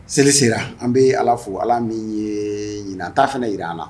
Seli sera an bɛ ala fo ala min ye ɲin ta fana jira an la